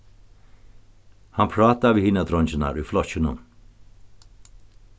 hann prátar við hinar dreingirnar í flokkinum